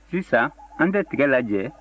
sisan an tɛ tiga lajɛ